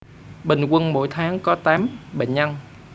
bình quân mỗi tháng có tám bệnh nhân